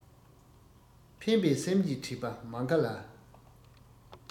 ཕན པའི སེམས ཀྱིས བྲིས པ མངྒ ལ